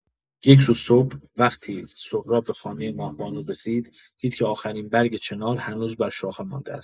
یک روز صبح، وقتی سهراب به خانه ماه‌بانو رسید، دید که آخرین برگ چنار هنوز بر شاخه مانده است.